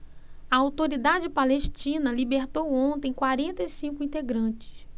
a autoridade palestina libertou ontem quarenta e cinco integrantes